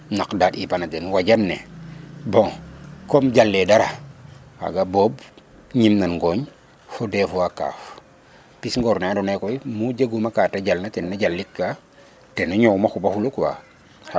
naq daaɗ yipana den wajan ne bon comme jale dara xaga boob ñim nan ŋooñ fo dés fois kaaf pis ŋoor ne ando naye ko mu jeguma kate jala tena jalik ka tana ñoow ma xupa fulu quoi